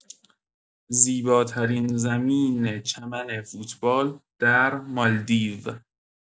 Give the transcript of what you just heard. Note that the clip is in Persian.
زیباترین زمین چمن فوتبال در مالدیو